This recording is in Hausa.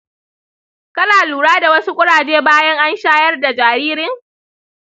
kana lura da wasu ƙuraje bayan an shayar da jaririn?